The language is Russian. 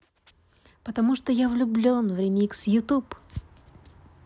потому что я влюблен в remix youtube